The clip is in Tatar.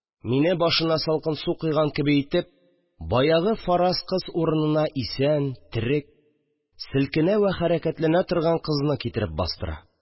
Мине башына салкын су койган кеби итеп, баягы фарыз кыз урынына исән, терек, селкенә вә хәрәкәтләнә торган кызны китереп бастыра